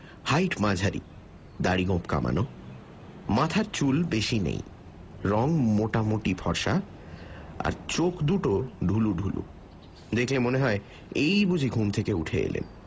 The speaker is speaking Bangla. হাইট মাঝারি দাড়ি গোঁফ কামানো মাথায় চুল বেশি নেই রং মোটামুটি ফরসা আর চোখ দুটো ঢুলুঢুলু দেখলে মনে হয় এই বুঝি ঘুম থেকে উঠে এলেন